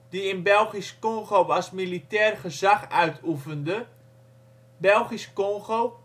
die in Belgisch-Kongo als militair gezag uitoefende. (Belgisch -) Congo